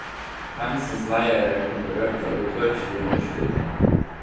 heimsins leiðarar kunnu røkka ítøkiligum úrslitum